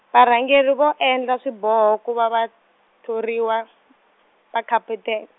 varhangeri vo endla swiboho ku va, vathoriwa, va khaphathe-.